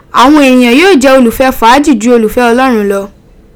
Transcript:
Awon eniyan yoo je olufe faaji ju olufe Olorun lo.